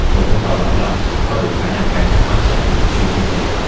một con tàu độc lập có đủ khả năng khai thác khoáng sản xuyên thiên hà